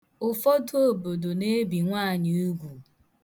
Ụfọdụ obodo na-ebi nwaanyị ugwu.